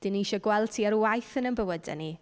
Dan ni isio gweld ti ar waith yn ein bywydau ni.